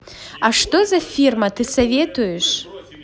а что за фирма ты советуешь